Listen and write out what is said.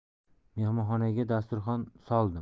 mehmonxonaga dasturxon soldim